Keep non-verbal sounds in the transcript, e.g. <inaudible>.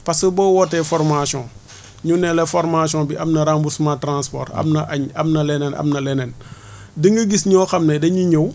parce que boo wootee formation <noise> ñu ne la formation bi am na remboussement transport am na añ am na leneen am na leneen <breath> da nga gis ñoo xam ne dañuy ñëw